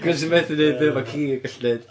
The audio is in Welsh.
Cos dio methu gwneud be ma' ci yn gallu wneud.